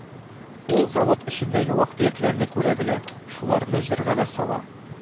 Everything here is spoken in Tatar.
Ул завод эчендәге вак-төякләрне күрә белә, шуларны җырга да сала